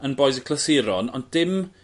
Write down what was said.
yn bois y clasuron ond dim